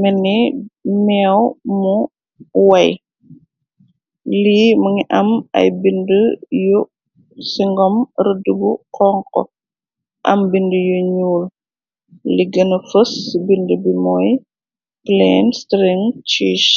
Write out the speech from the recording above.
meni meew mu wey. Lii mu ngi am ay bindi yu ci ngom, rëdd bu xonxo am bindi yu ñyul. Li gëna fës ci bindi bi mooy plane, string, cheese.